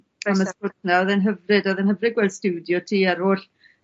'na odd e'n hyfryd odd e'n hyfryd gweld stiwdio ti a'r holl